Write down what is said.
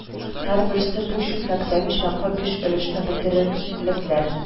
Һәрберсе бу чүлмәктәге чаклы биш өлешне бетерерлекләр